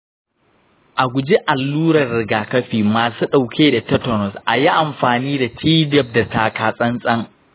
a guji alluran rigakafi masu ɗauke da tetanus. a yi amfani da tdap da taka-tsantsan.